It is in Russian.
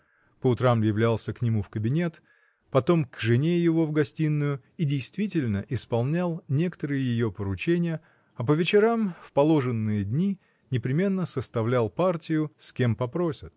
По утрам являлся к нему в кабинет, потом к жене его в гостиную и действительно исполнял некоторые ее поручения, а по вечерам в положенные дни непременно составлял партию, с кем попросят.